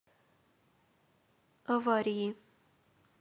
аварии